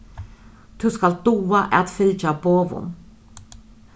tú skalt duga at fylgja boðum